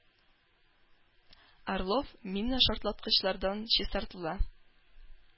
Орлов минашартлаткычлардан чистартыла.